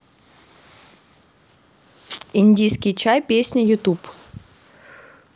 индийский чай песня ютуб